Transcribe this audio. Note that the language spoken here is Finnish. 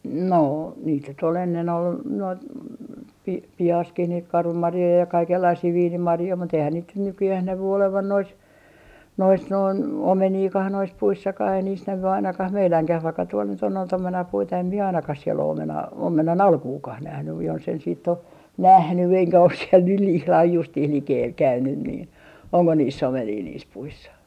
noo niitä nyt oli ennen oli noita - pihassakin niitä karvamarjoja ja kaikenlaisia viinimarjoja mutta eihän niitä nyt nykyään näy olevan noissa noissa noin omeniakaan noissa puissakaan ei niissä näy ainakaan meidänkään vaikka tuolla nyt on noita omenapuita en minä ainakaan siellä ole omenaa omenanalkuakaan nähnyt jos en sitten ole nähnyt enkä ole siellä nyt ihan justiin likellä käynyt niin onko niissä omenia niissä puissa